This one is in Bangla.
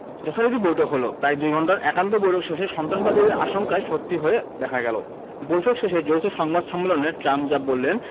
যথারীতি বৈঠক হলো প্রায় দুই ঘণ্টার একান্ত বৈঠক শেষে সন্ত্রাসবাদীদের আশঙ্কাই সত্যি হয়ে দেখা দিল বৈঠক শেষে যৌথ সংবাদ সম্মেলনে ট্রাম্প যা বললেন